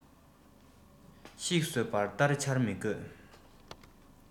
ཤིག གསོད པར སྟ རེ འཕྱར མི དགོས